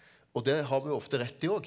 og det har vi jo ofte rett i óg.